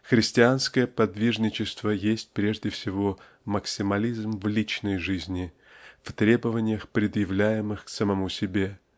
христианское подвижничество есть прежде всего максимализм в личной жизни в требованиях предъявляемых к самому себе